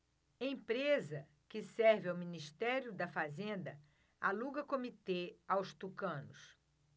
empresa que serve ao ministério da fazenda aluga comitê aos tucanos